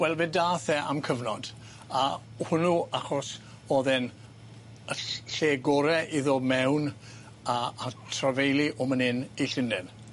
Wel fe dath e am cyfnod a hwnnw achos o'dd e'n y ll- lle gore i ddo' mewn a a trafeilu o myn' yn i Llunden.